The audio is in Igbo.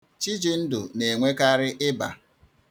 Chijindụ na-enwekarị ịba.